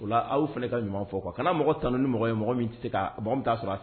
Aw fana ka ɲuman fɔ kuwa a kana mɔgɔ tan ni mɔgɔ ye mɔgɔ min tɛ se ka mɔgɔ min t'a sɔrɔ